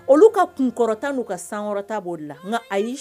Olu ka kun kɔrɔta olu ka sankɔrɔta b'o la nka ayi